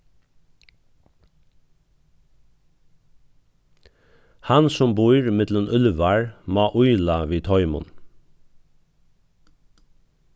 hann sum býr millum úlvar má ýla við teimum